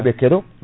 eɓe keeɗ